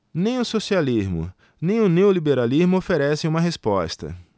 nem o socialismo nem o neoliberalismo oferecem uma resposta